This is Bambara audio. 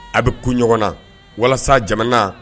A bɛ kun ɲɔgɔn na walasa jamana